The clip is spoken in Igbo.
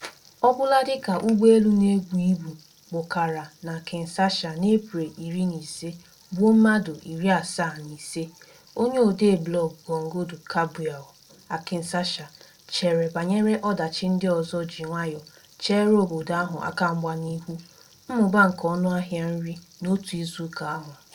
Ọbụladị ka ụgbọelu na-ebu ibu kpọkara na Kinshasa n'Eprel 15 gbuo mmadụ 75, onye odee blọọgụ Congo Du Cabiau à Kinshasa, chere banyere ọdachi ndị ọzọ ji nwaayọ cheere obodo ahụ akamgba n'ihu: mmụba nke ọnụahịa nri n'otu izuụka ahụ.